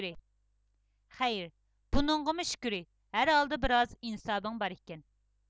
خەير بۇنىڭغىمۇ شۈكرى ھەر ھالدا بىر ئاز ئىنساپىڭ بار ئىكەن